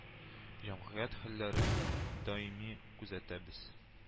Җәмгыять хәлләрен даими күзәтәбез